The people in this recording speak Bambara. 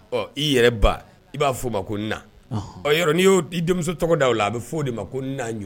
Ɔ i yɛrɛ ba i ba fo ma ko na Ɔhɔ . Ɔn yɔrɔ ni yi denmuso tɔgɔ da o la a bɛ fo de ma ko na